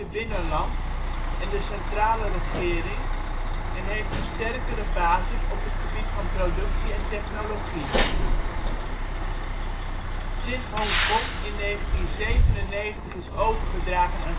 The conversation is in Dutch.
binnenland en de centrale regering en heeft een sterkere basis op het gebied van productie en technologie. Sinds Hongkong in 1997 is overgedragen